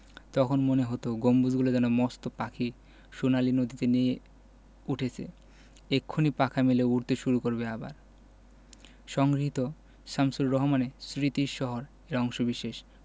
তখন মনে হতো গম্বুজগুলো যেন মস্ত পাখি সোনালি নদীতে নেয়ে উঠেছে এক্ষুনি পাখা মেলে উড়তে শুরু করবে আবার সংগৃহীত শামসুর রাহমানের স্মৃতির শহর এর অংশবিশেষ